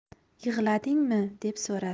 yig'ladingmi deb so'radi